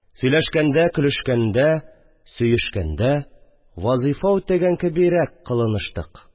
Сөйләшкәндә, көлешкәндә, сөешкәндә вазифа үтәгән кебирәк кылыныштык